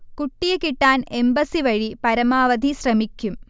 കുട്ടിയെ കിട്ടാൻ എംബസി വഴി പരമാവധി ശ്രമിക്കും